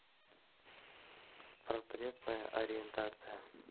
портретная ориентация